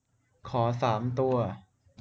ขอสามตัว